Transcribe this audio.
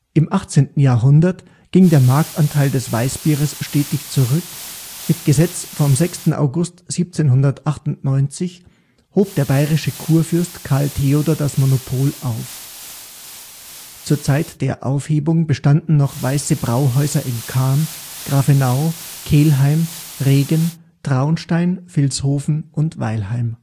Im 18. Jahrhundert ging der Marktanteil des Weißbieres stetig zurück, mit Gesetz vom 6. August 1798 hob der bayerische Kurfürst Karl Theodor das Monopol auf. Zur Zeit der Aufhebung bestanden noch Weiße Brauhäuser in Cham, Grafenau, Kelheim, Regen, Traunstein, Vilshofen und Weilheim